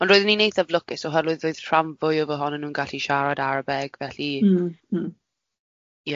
Ond roedden ni'n eithaf lwcus oherwydd roedd rhan fwyaf ohonyn nhw'n gallu siarad Arabeg, felly m-hm. M-hm.